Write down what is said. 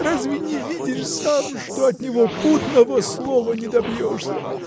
разве не видишь сам, что от него путного слова не добьешься?